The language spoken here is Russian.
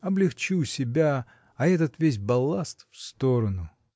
Облегчу себя, а этот весь балласт в сторону.